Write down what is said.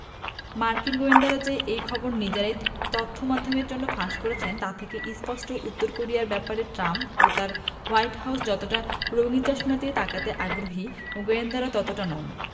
মার্কিন গোয়েন্দারা যে এই খবর নিজেরাই তথ্যমাধ্যমের কাছে ফাঁস করেছেন তা থেকে স্পষ্ট উত্তর কোরিয়ার ব্যাপারে ট্রাম্প ও তাঁর হোয়াইট হাউস যতটা রঙিন চশমা দিয়ে তাকাতে আগ্রহী গোয়েন্দারা ততটা নন